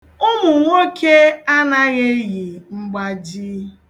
Ụmụnwoke anaghị eyi mgbaji.